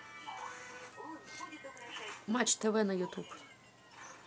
матч тв на ютуб